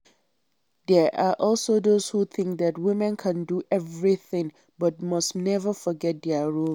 There are also those who think that women can do everything, but must never forget their "role"